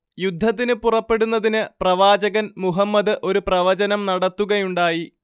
യുദ്ധത്തിന് പുറപ്പെടുന്നതിന് പ്രവാചകൻ മുഹമ്മദ് ഒരു പ്രവചനം നടത്തുകയുണ്ടായി